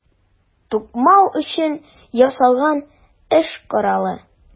Тукмау өчен ясалган эш коралы.